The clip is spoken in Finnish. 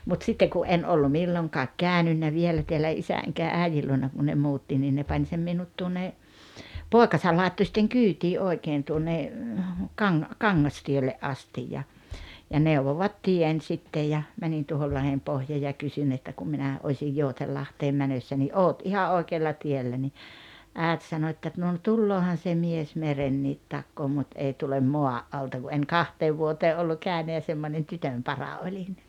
mutta sitten kun en ollut milloinkaan käynyt vielä täällä isä enkä äidin luona kun ne muutti niin ne pani sen minut tuonne poikansa laittoi sitten kyytiin oikein tuonne - Kangastielle asti ja ja neuvovat tien sitten ja menin tuohon Lahdenpohjaan ja kysyn että kun minä osin Joutsenlahteen menossa niin olet ihan oikealla tiellä niin äiti sanoi että no - tuleehan se mies meren takaa mutta ei tule maan alta kun en kahteen vuoteen ollut käynyt ja semmoinen tytönpara olin